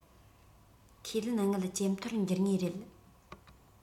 ཁས ལེན དངུལ ཇེ མཐོར འགྱུར ངེས རེད